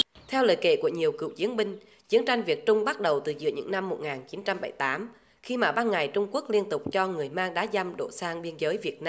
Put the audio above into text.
theo lời kể của nhiều cựu chiến binh chiến tranh việt trung bắt đầu từ giữa những năm một ngàn chín trăm bảy tám khi mà ban ngày trung quốc liên tục cho người mang đá dăm đổ sang biên giới việt